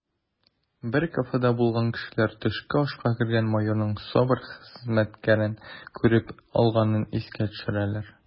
Бер кафеда булган кешеләр төшке ашка кергән майорның СОБР хезмәткәрен күреп алганын искә төшерәләр: